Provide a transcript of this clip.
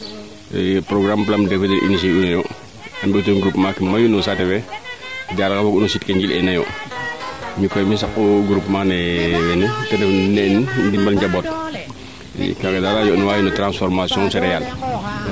i programme PLAM 2 fee initier uno yo a mbi teen groupement mayu no saate fee Diarere a mbog'u no sit ke njilee nayo ndiikoy mi saqu groupement le wene te ne'el Ndimal Ndiabot kaaga daal owey no transformation Cereale